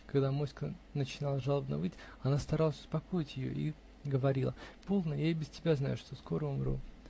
Когда моська начинала жалобно выть, она старалась успокоить ее и говорила: "Полно, я и без тебя знаю, что скоро умру".